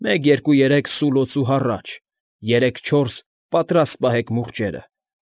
Մեկ֊երկու֊երեք՝ սուլոց ու հառաչ։ Երեք֊չորս՝ պատրաստ պահեք մուրճերը։